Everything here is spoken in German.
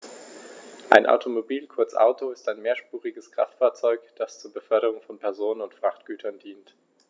Ein Automobil, kurz Auto, ist ein mehrspuriges Kraftfahrzeug, das zur Beförderung von Personen und Frachtgütern dient.